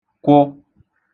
kwụ